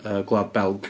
Yy Gwlad Belg.